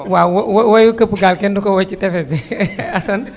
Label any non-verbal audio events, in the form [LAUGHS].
waaw wo woy buy buy këpp gaal kenn du ko woy ci tefes di [LAUGHS] Assane